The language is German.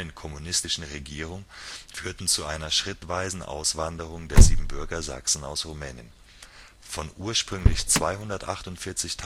kommunistischen Regierung führten zu einer schrittweisen Auswanderung der Siebenbürger Sachsen aus Rumänien. Von ursprünglich 248.000